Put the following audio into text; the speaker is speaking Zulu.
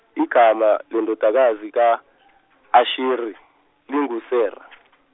igama lendodakazi ka Asheri linguSera.